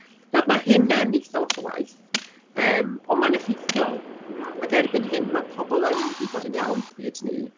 Nawr ma' hyn yn eitha lot o waith, yym ond ma'n effeithiol, ac erbyn hyn ma' pobl yn gwybod yn iawn pwy ydyn ni.